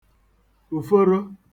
ùforo